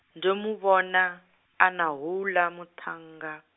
ndo muvhona, ana houḽa muṱhannga.